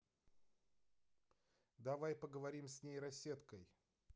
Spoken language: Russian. давай поговорим с нейросеткой